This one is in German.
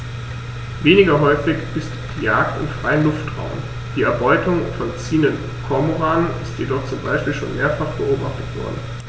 Weniger häufig ist die Jagd im freien Luftraum; die Erbeutung von ziehenden Kormoranen ist jedoch zum Beispiel schon mehrfach beobachtet worden.